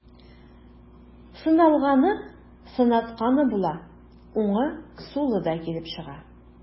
Сыналганы, сынатканы була, уңы, сулы да килеп чыга.